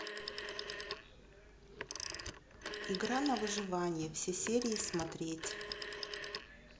игра на выживание все серии смотреть